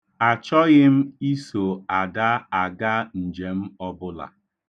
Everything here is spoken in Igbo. Achọghị m iso Ada aga njem ọbụla.